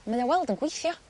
mae o weld yn gweithio.